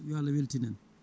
yo Allah weltin en